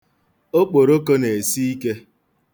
Okporoko na-esi ike.